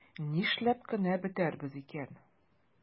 Нишләп кенә бетәрбез икән?